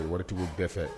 O waritigiw bɛɛ fɛ